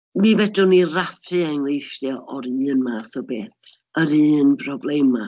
Mi fedrwn ni raffu enghreifftiau o'r un math o beth, yr un problemau.